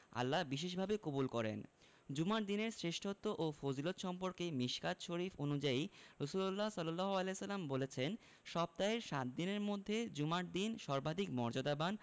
আল্লাহ বিশেষভাবে কবুল করেন জুমার দিনের শ্রেষ্ঠত্ব ও ফজিলত সম্পর্কে মিশকাত শরিফ অনুযায়ী রাসুলুল্লাহ সা বলেছেন সপ্তাহের সাত দিনের মধ্যে জুমার দিন সর্বাধিক মর্যাদাবান